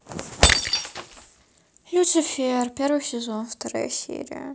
люцифер первый сезон вторая серия